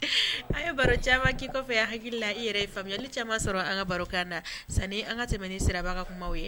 An ye baro caman kɔfɛ a hakili la i yɛrɛ ye faamuya ni caman sɔrɔ an ka barokan da san an ka tɛmɛ ni sira ka kumaw ye